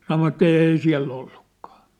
sanoivat ei siellä ollutkaan